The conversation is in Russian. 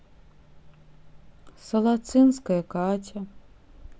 солоцинская катя